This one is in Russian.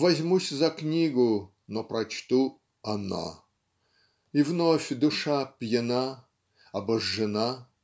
Возьмусь за книгу, но прочту "она", И вновь душа пьяна, обожжена.